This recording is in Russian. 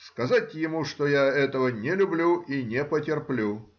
Сказать ему, что я этого не люблю и не потерплю.